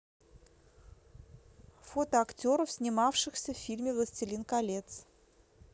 фото актеров снимавшихся в фильме властелин колец